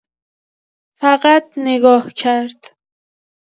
فقط نگاه کرد.